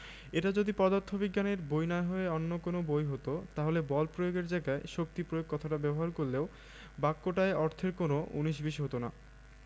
এটা যদি পদার্থবিজ্ঞানের বই না হয়ে অন্য কোনো বই হতো তাহলে বল প্রয়োগ এর জায়গায় শক্তি প্রয়োগ কথাটা ব্যবহার করলেও বাক্যটায় অর্থের কোনো উনিশ বিশ হতো না